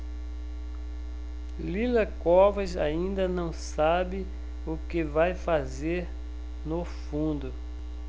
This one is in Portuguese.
lila covas ainda não sabe o que vai fazer no fundo